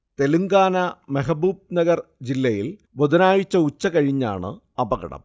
Telangana Mahbubnagar ജില്ലയിൽ ബുധനാഴ്ച ഉച്ചകഴിഞ്ഞാണ് അപകടം